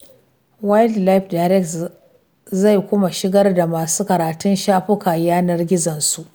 WildlifeDirect zai kuma shigar da masu karatun shafuka yanar gizon su.